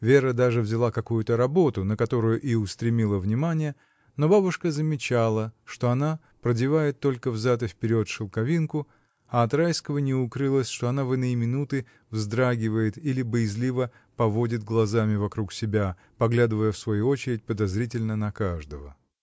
Вера даже взяла какую-то работу, на которую и устремила внимание, но бабушка замечала, что она продевает только взад и вперед шелковинку, а от Райского не укрылось, что она в иные минуты вздрагивает или боязливо поводит глазами вокруг себя, поглядывая в свою очередь подозрительно на каждого.